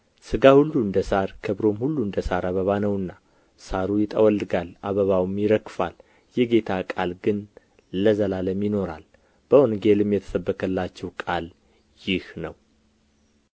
ሥጋ ሁሉ እንደ ሣር ክብሩም ሁሉ እንደ ሣር አበባ ነውና ሣሩ ይጠወልጋል አበባውም ይረግፋል የጌታ ቃል ግን ለዘላለም ይኖራል በወንጌልም የተሰበከላችሁ ቃል ይህ ነው